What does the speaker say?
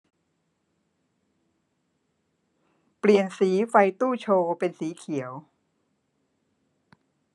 เปลี่ยนสีไฟตู้โชว์เป็นสีเขียว